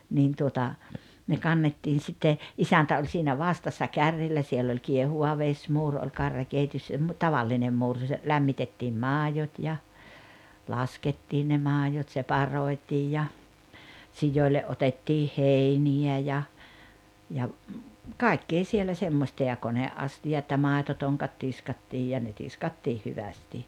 niin tuota ne kannettiin sitten isäntä oli siinä vastassa kärrillä siellä oli kiehuva vesimuuri oli karjakeittössä - tavallinen muuri jossa lämmitettiin maidot ja laskettiin ne maidot separoitiin ja sioille otettiin heiniä ja ja kaikkea siellä semmoista ja koneastiat ja maitotonkat tiskattiin ja ne tiskattiin hyvästi